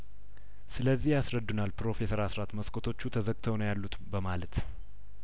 ስለዚህ ያስረዱናል ፕሮፌሰር አስራት መስኮቶቹ ተዘ ግተው ነው ያሉት በማለት